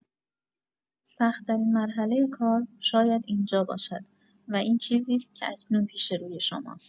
سخت‌ترین مرحله کار شاید اینجا باشد و این چیزی است که اکنون پیش روی شماست.